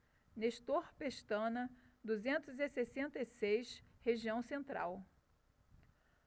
nestor pestana duzentos e sessenta e seis região central